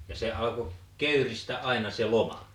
ja se alkoi kekristä aina se loma